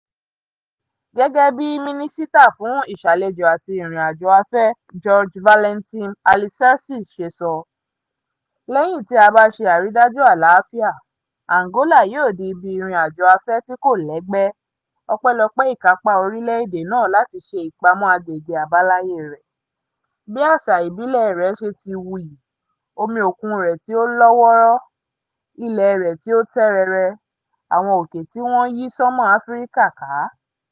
Gẹ́gẹ́ bí Mínísítà fún Ìṣàlejò àti Ìrìn-àjò Afẹ́, Jorge Valentim Alicerces ṣe sọ, "lẹ́yìn tí a bá ṣe àrídájú àlàáfíà, Angola yóò di ibi ìrìn-àjò afẹ́ tí kò lẹ́gbẹ́ ọpẹ́lọpẹ́ ìkápá orílẹ̀-èdè náà láti ṣe ìpamọ́ agbègbè àbáláyé rẹ̀, bí àṣà ìbílẹ̀ rẹ̀ ṣe ti wuyì, omi òkun rẹ̀ tí ó lọ́ wọ́ọ́rọ́, ilẹ̀ rẹ̀ tí ó tẹ́ rẹrẹ, àwọn òkè tí wọ́n yí sánmọ̀ Áfíríkà ká.